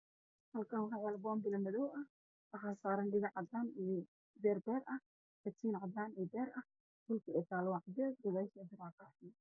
Waa bom balacdaan waxaa saaran dahab oo dheyman ah iyo jaale ah